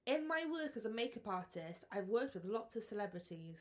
In my work as a make-up artist, I've worked with lots of celebrities.